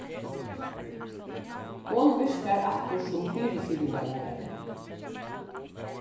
hon virkar aftur sum fyrisitingarleiðari